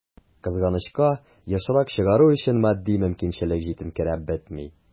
Кызганычка, ешрак чыгару өчен матди мөмкинчелек җитенкерәп бетми.